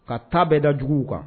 Ka ta bɛɛ da juguw kan